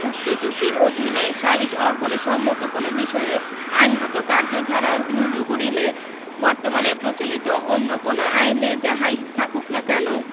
উক্ত চুক্তির অধীনৈ সালিস অর্পণে সম্মত কোন বিষয়ে আইনগত কার্যধারা রুজু করিলে বর্তমানে প্রচলিত অন্য কোন আইনে যাহাই থাকুক না কেন